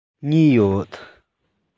གཉིས ཡོད